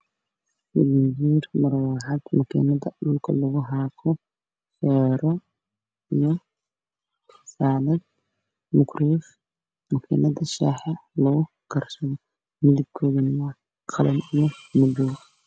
Meeshaan waxaa ka muuqdo marwaaxad iyo feero